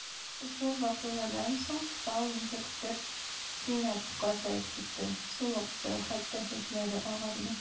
Шушы вакыйгадан соң Фау ничектер кинәт картаеп китте: сулыкты, хәтта чәчләре агарды.